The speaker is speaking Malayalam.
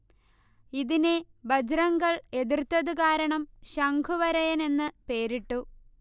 ഇതിനെ ബജ്റംഗ്ദൾ എതിർത്തതുകാരണം 'ശംഖുവരയൻ' എന്ന് പേരിട്ടു